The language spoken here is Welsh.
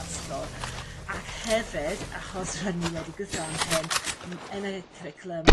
ysgol ac hefyd achos rydyn ni wedi gwthio am hyn yn y cwricilwm